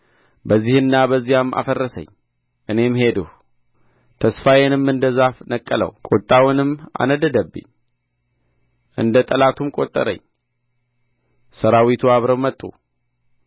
በዚህና በዚያም አፈረሰኝ እኔም ሄድሁ ተስፋዬንም እንደ ዛፍ ነቀለው ቍጣውንም አነደደብኝ እንደ ጠላቱም ቈጠረኝ ሠራዊቱ አብረው መጡ